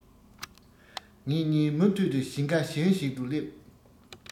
ངེད གཉིས མུ མཐུད དུ ཞིང ཁ གཞན ཞིག ཏུ སླེབས